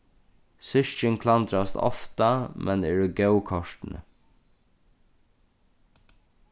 systkin klandrast ofta men eru góð kortini